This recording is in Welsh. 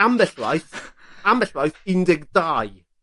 Ambell waith, ambell waith, un deg dau.